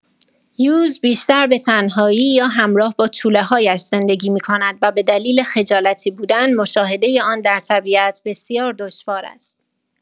یوز بیشتر به‌تنهایی یا همراه با توله‌هایش زندگی می‌کند و به دلیل خجالتی بودن، مشاهده آن در طبیعت بسیار دشوار است.